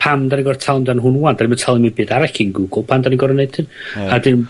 pam 'dan ni gorod talu am dan hwn ŵan, 'dyn ni 'im yn talu 'im byd arall gin Google pam 'dyn ni gorod neud hyn. A 'dyn....